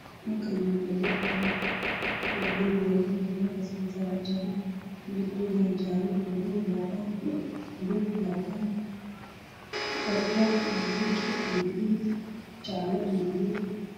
Waa carwo waxaa lagu iibinayaa saakooyin dumar ah